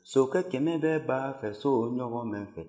sokɛ kɛmɛ bɛ baa fɛ so o ɲɔgɔn bɛ n fɛ